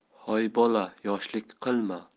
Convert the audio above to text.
hoy bola yoshlik qilma